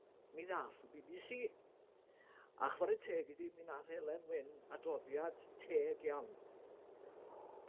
mi ddath y Bee Bee See a chware teg iddi, mi nath Helen Wyn adroddiad teg iawn.